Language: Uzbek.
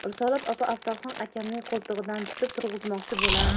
risolat opa afzalxon akamning qo'ltig'idan tutib turg'izmoqchi bo'lar